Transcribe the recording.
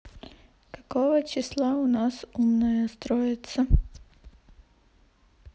какого числа у нас умная строится